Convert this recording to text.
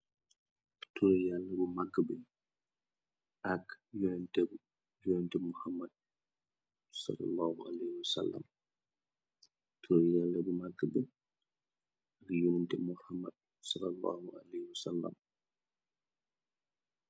Toori Yallah bu maga bi ak yonente Muhammad SAW toori Yallah bu maga bi ak yonente Muhammad SAW.